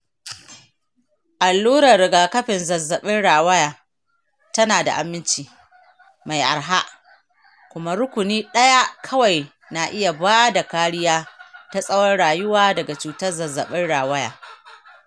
allurar rigakafin zazzabin rawaya tana da aminci, mai araha, kuma rukuni ɗaya kawai na iya ba da kariya ta tsawon rayuwa daga cutar zazzabin rawaya.